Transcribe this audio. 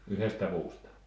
yhdestä puusta